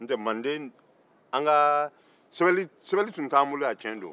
n'o tɛ manden an ka sɛbɛli sɛbɛli tun t'an bolo yan tiɲɛ don